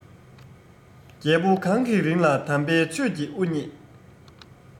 རྒྱལ པོ གང གི རིང ལ དམ པའི ཆོས ཀྱི དབུ བརྙེས